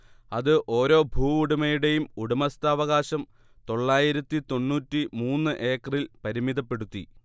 അത് ഓരോ ഭൂവുടമയുടെയും ഉടമസ്ഥാവകാശം തൊള്ളായിരത്തി തൊണ്ണൂറ്റി മൂന്ന് ഏക്കറിൽ പരിമിതപ്പെടുത്തി